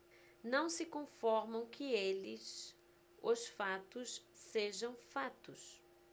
não se conformam que eles os fatos sejam fatos